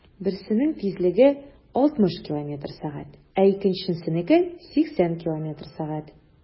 Берсенең тизлеге 60 км/сәг, ә икенчесенеке - 80 км/сәг.